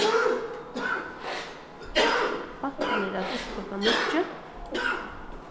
bankarnir lata upp klokkan níggju